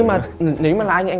nhưng mà nếu mà là anh anh